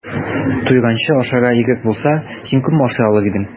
Туйганчы ашарга ирек булса, син күпме ашый алыр идең?